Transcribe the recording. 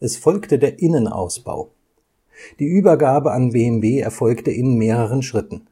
Es folgte der Innenausbau. Die Übergabe an BMW erfolgte in mehreren Schritten.